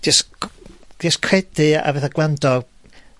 jys c-, jys credu a fatha gwrando